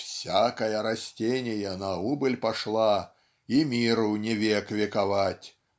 "всякая растения на убыль пошла и миру не век вековать